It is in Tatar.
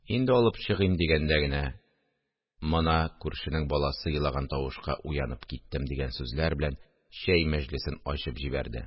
Инде алып чыгыйм дигәндә генә, мона күршенең баласы җылаган тавышка уянып киттем, – дигән сүзләр белән чәй мәҗлесен ачып җибәрде